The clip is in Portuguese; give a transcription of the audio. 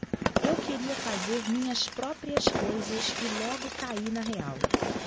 eu queria fazer minhas próprias coisas e logo caí na real